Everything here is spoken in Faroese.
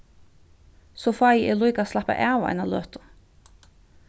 so fái eg líka slappað av eina løtu